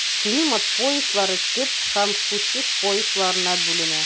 Климат пояслары төп һәм күчеш поясларына бүленә.